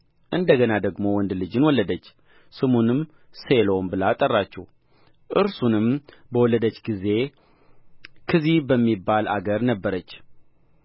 እንደ ገና ደግሞ ወንድ ልጅን ወለደች ስሙንም ሴሎም ብላ ጠራችው እርሱንም በወለደች ጊዜ ክዚብ በሚባል አገር ነበረች